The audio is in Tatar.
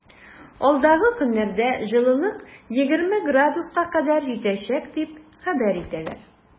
Алдагы көннәрдә җылылык 20 градуска кадәр җитәчәк дип хәбәр итәләр.